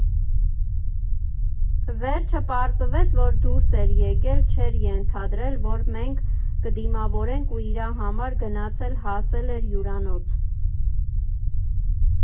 Վերջը պարզվեց, որ դուրս էր եկել, չէր ենթադրել, որ մենք կդիմավորենք ու իրա համար գնացել֊հասել էր հյուրանոց։